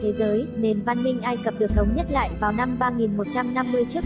nền văn minh ai cập được thống nhất lại vào năm tcn